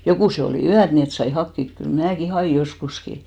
jokuset oli yöt niin että sai hakea kyllä minäkin hain joskuskin